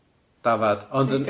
dafad ond yn-